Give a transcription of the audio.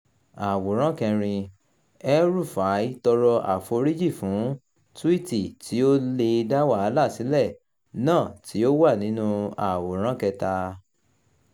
Àwòrán 4: El-Rufai tọrọ àforíjì fún túwíìtì “tí ó lè dá wàhálà sílẹ̀” náà tí ó wà ń'nú Àwòrán 3.